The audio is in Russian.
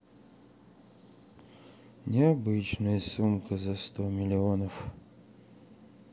необычная сумка за сто миллионов